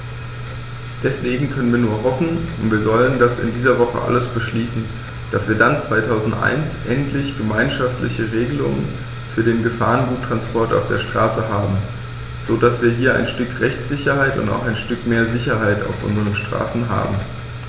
Deswegen können wir nur hoffen - und wir sollten das in dieser Woche alles beschließen -, dass wir dann 2001 endlich gemeinschaftliche Regelungen für den Gefahrguttransport auf der Straße haben, so dass wir hier ein Stück Rechtssicherheit und auch ein Stück mehr Sicherheit auf unseren Straßen haben.